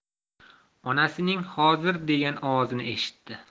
onasining hozir degan ovozini eshitdi